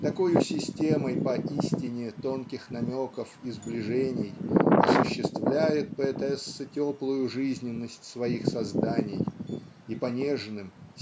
такою системой поистине тонких намеков и сближений осуществляет поэтесса теплую жизненность своих созданий и по нежным